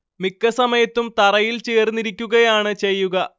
മിക്ക സമയത്തും തറയിൽ ചേർന്നിരിക്കുകയാണ് ചെയ്യുക